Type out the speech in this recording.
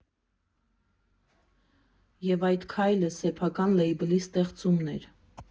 Եվ այդ քայլը սեփական լեյբլի ստեղծումն էր։